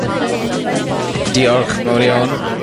...ymuno fynny. Diolch yn fawr iawn.